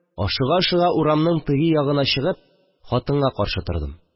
Ашыга-ашыга урамның теге ягына чыгып, хатынга каршы тордым